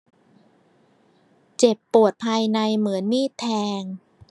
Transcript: เจ็บปวดภายในเหมือนมีดแทง